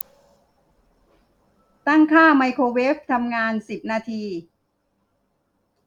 ตั้งค่าไมโครเวฟทำงานสิบนาที